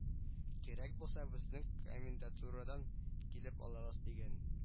Кирәк булса безнең комендатурадан килеп алыгыз дигән